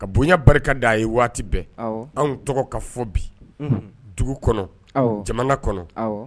Ka bonya barika da a ye waati bɛɛ anw tɔgɔ ka fɔ bi dugu kɔnɔ jamana kɔnɔ